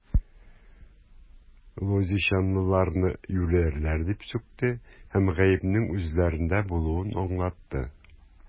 Лозищанлыларны юләрләр дип сүкте һәм гаепнең үзләрендә булуын аңлатты.